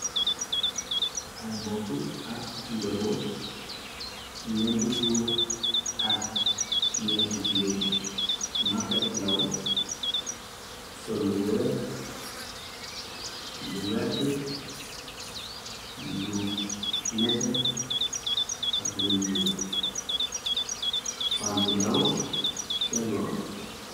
Ay mbokk ak njoboot, ñent góor ak ñetti jigéen, mak ak ndaw, sol lu weex, lu wert ,lu nete ak lu ñuul, pan bu ndaw seen roon.